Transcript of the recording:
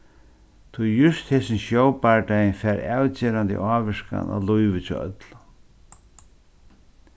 tí júst hesin sjóbardagin fær avgerandi ávirkan á lívið hjá øllum